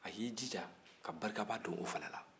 a y'i jija ka barikaba don o la